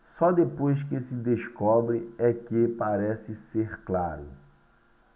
só depois que se descobre é que parece ser claro